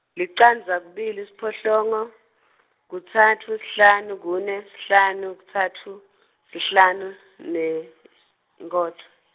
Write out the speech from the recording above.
licandza kubili siphohlongo, kutsatfu shlanu kune shlanu kutsatfu, sihlanu ne s- nkhotsa.